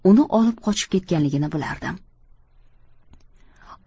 uni olib qochib ketganligini bilardim